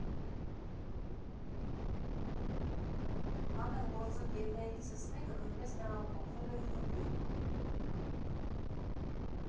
Համ էլ գործընկերներիցս մեկը նույնպես տեղափոխվել է Գյումրի.